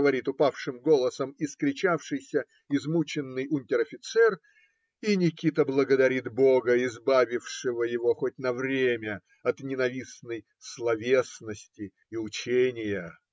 - говорит упавшим голосом искричавшийся, измученный унтер-офицер, и Никита благодарит бога, избавившего его, хоть на время, от ненавистной "словесности" и ученья.